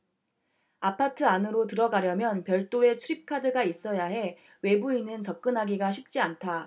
아파트 안으로 들어가려면 별도의 출입카드가 있어야 해 외부인은 접근하기가 쉽지 않다